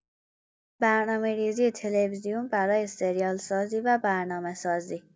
برنامه‌ریزی تلویزیون برای سریال‌سازی و برنامه‌سازی